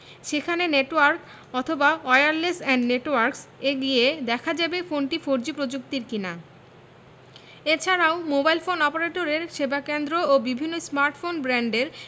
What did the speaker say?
সেখানে নেটওয়ার্ক অথবা wireless and networks এ গেলে দেখা যাবে ফোনটি ফোরজি প্রযুক্তির কিনা এ ছাড়াও মোবাইল ফোন অপারেটরের সেবাকেন্দ্র ও বিভিন্ন স্মার্টফোন ব্র্যান্ডের